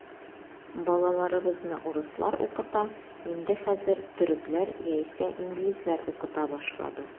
Балаларыбызны урыслар укыта, инде хәзер төрекләр яисә инглизләр укыта башлады.